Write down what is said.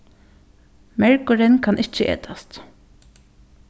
mergurin kann ikki etast